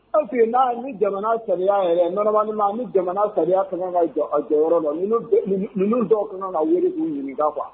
Oseke n'a ni jamana sariya yɛrɛ nanaba ma a ni jamana sariya ka kan ka jɔ yɔrɔ la minnu dɔw kan kan ka wari'u ɲini kuwa